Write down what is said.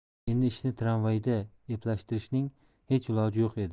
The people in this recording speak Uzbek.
endi ishni tramvayda eplashtirishning hech iloji yo'q edi